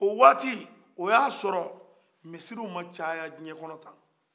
o waati o y'a sɔrɔ misiriw ma caya dunuya kɔnɔ tan